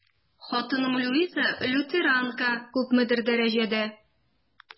Хатыным Луиза, лютеранка, күпмедер дәрәҗәдә...